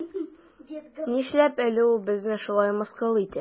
Нишләп әле ул безне шулай мыскыл итә?